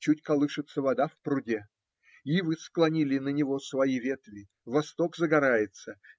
Чуть колышется вода в пруде, ивы склонили на него свои ветви восток загорается